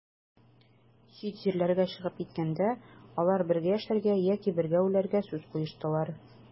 Чит җирләргә чыгып киткәндә, алар бергә яшәргә яки бергә үләргә сүз куештылар.